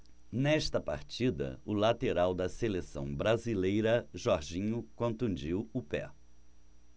nesta partida o lateral da seleção brasileira jorginho contundiu o pé